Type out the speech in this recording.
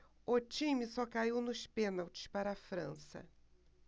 o time só caiu nos pênaltis para a frança